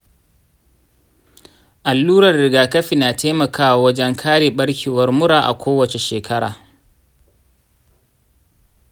allurar rigakafi na taimakawa wajen kare barkewar mura a kowace shekara.